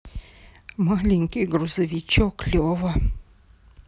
маленький грузовичок лева